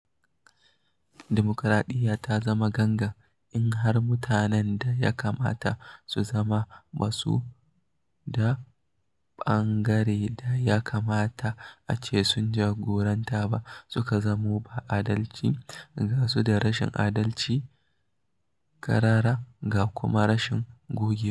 Dimukuraɗiyya ta zama gangan in har mutanen da ya kamata su zama ba su da ɓangare da ya kamata a ce sun jagorance ta suka zamo ba adalci, ga su da rashin adalci ƙarara ga kuma rashin gogewa.